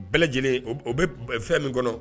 Bɛɛ lajɛlen o bɛ o bɛ fɛn min kɔnɔ